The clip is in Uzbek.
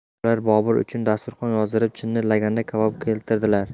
ular bobur uchun dasturxon yozdirib chinni laganda kabob keltirdilar